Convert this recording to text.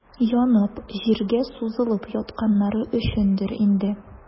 Янып, җиргә сузылып ятканнары өчендер инде.